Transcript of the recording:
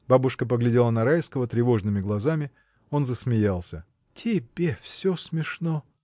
Бабушка поглядела на Райского тревожными глазами; он засмеялся. — Тебе всё смешно!